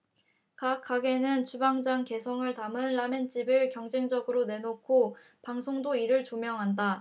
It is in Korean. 각 가게는 주방장 개성을 담은 라멘을 경쟁적으로 내놓고 방송도 이를 조명한다